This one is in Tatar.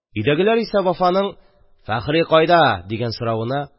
Өйдәгеләр исә Вафаның: «Фәхри кайда?» – дигән соравына: